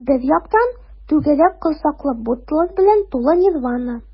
Бер яктан - түгәрәк корсаклы буддалар белән тулы нирвана.